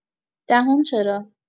دهم چرا؟